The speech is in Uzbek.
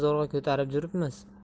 zo'rg'a ko'tarib juribmiz